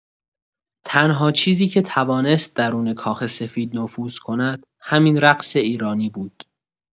تنها چیزی که توانست درون‌کاخ سفید نفوذ کند، همین رقص ایرانی بود!